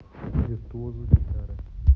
виртуозы гитары